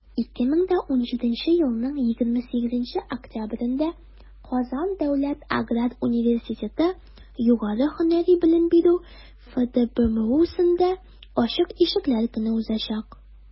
2017 елның 28 октябрендә «казан дәүләт аграр университеты» югары һөнәри белем бирү фдбмусендә ачык ишекләр көне узачак.